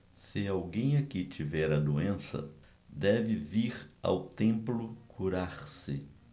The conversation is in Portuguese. se alguém aqui tiver a doença deve vir ao templo curar-se